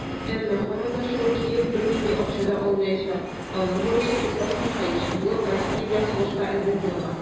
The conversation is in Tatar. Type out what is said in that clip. Әмма, һаман да шул, Киев бернинди акча да алмаячак - аның бурычы усал һәм хәерче булып, Россия белән сугышка әзер булырга.